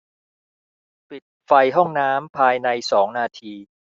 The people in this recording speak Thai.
ปิดไฟห้องน้ำภายในสองนาที